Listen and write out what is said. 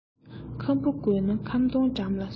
ཁམ བུ དགོས ན ཁམ སྡོང འགྲམ ལ སོང